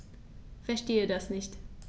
Verstehe das nicht.